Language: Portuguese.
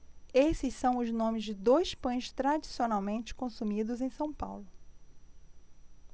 esses são os nomes de dois pães tradicionalmente consumidos em são paulo